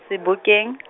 Sebokeng .